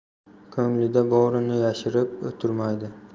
ko'nglida borini yashirib o'tirmaydi